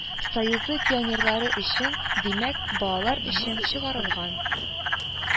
Союзы пионерлары өчен, димәк, балалар өчен чыгарылган